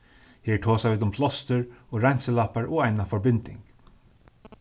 her tosa vit um plástur og reinsilappar og eina forbinding